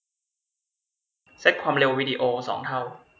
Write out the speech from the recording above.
เซ็ตความเร็ววีดีโอสองเท่า